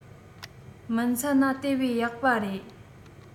སྨིན ཚད ན དེ བས ཡག པ རེད